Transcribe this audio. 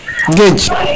Guedie